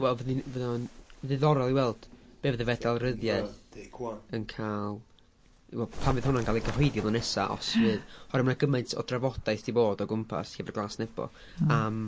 Wel fydd i- fydd o'n ddiddorol i weld be fydd y Fedal Ryddiaith yn cael... i weld pan fydd hwnna'n cael ei gyhoeddi flwyddyn nesaf os fydd... ie ... oherwydd ma' gymaint o drafodaeth 'di bod o gwmpas Llyfr Glas Nebo... mm ...am...